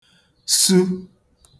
su